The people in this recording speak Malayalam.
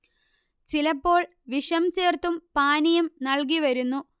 ചിലപ്പോൾ വിഷം ചേർത്തും പാനിയം നൽകി വരുന്നു